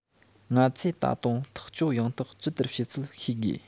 ང ཚོས ད དུང ཐག གཅོད ཡང དག ཅི ལྟར བྱེད ཚུལ ཤེས དགོས